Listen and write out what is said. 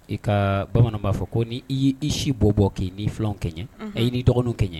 I ka, bamananw ba fɔ ko ni i yi si bɔ bɔ ki ni filan kɛɲɛ ki ni dɔgɔninw kɛɲɛ.